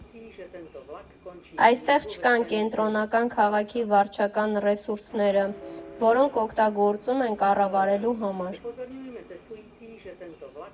Այստեղ չկան կենտրոնական քաղաքի վարչական ռեսուրները, որոնք օգտագործում են կառավարելու համար։